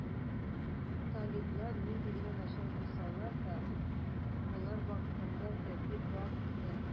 Талиблар нинди генә начар булсалар да, алар вакытында тәртип бар иде.